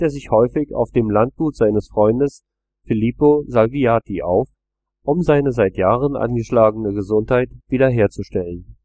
sich häufig auf dem Landgut seines Freundes Filippo Salviati auf, um seine seit Jahren angeschlagene Gesundheit wiederherzustellen